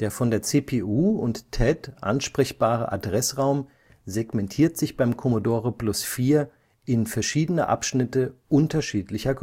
von der CPU und TED ansprechbare Adressraum segmentiert sich beim Commodore Plus/4 in verschiedene Abschnitte unterschiedlicher